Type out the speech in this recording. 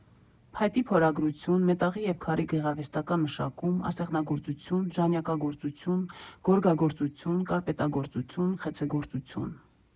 Փայտի փորագրություն, մետաղի և քարի գեղարվեստական մշակում, ասեղնագործություն, ժանյակագործություն, գորգագործություն, կարպետագործություն, խեցեգործություն։